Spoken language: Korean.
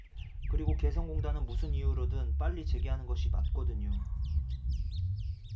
그리고 개성공단은 무슨 이유로든 빨리 재개하는 것이 맞거든요